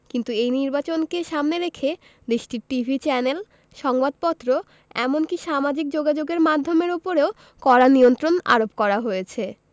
কিন্তু এই নির্বাচনকে সামনে রেখে দেশটির টিভি চ্যানেল সংবাদপত্র এমনকি সামাজিক যোগাযোগের মাধ্যমের উপরেও কড়া নিয়ন্ত্রণ আরোপ করা হয়েছে